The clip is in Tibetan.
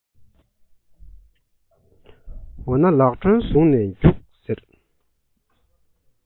འོ ན ལག སྒྲོན བཟུང ནས རྒྱུགས ཟེར